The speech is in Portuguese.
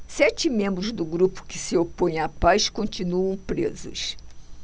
sete membros do grupo que se opõe à paz continuam presos